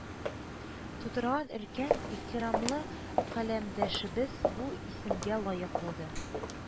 Тутырган өлкән, ихтирамлы каләмдәшебез бу исемгә лаек булды